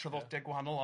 traddodiad gwahanol